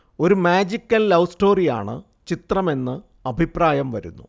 ഒരു magical love സ്റ്റോറിയാണ് ചിത്രമെന്ന് അഭിപ്രായം വരുന്നു